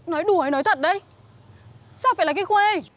nói đùa hay nói thật đấy sao phải là cái khuê